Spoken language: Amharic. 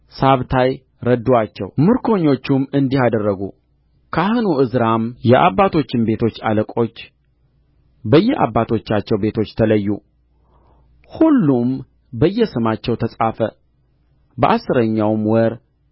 ሳባታይ ረዱአቸው ምርኮኞቹም እንዲህ አደረጉ ካህኑ ዕዝራም የአባቶችም ቤቶች አለቆች በየአባቶቻቸው ቤቶች ተለዩ ሁሉም በየስማቸው ተጻፉ በአሥረኛውም ወር